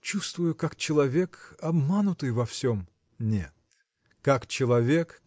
– Чувствую, как человек, обманутый во всем. – Нет как человек